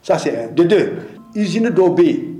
Sabu donto i ze dɔw bɛ yen